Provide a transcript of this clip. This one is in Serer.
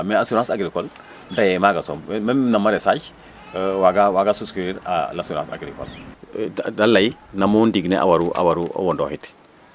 mais assurance agricole dayee maaga soom meme no maréchage waaga souscrire u no a l' assurance agricole e da lay nam mo ndiig ne a waru a waru wondooxit